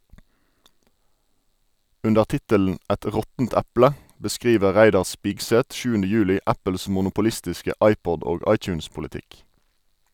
Under tittelen "Et råttent eple" beskriver Reidar Spigseth 7. juli Apples monopolistiske iPod- og iTunes-politikk.